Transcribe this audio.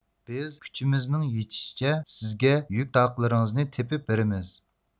بىز كۈچىمىزنىڭ يېتىشىچە سىزگە يۈك تاقلىرىڭىزنى تېپىپ بېرىمىز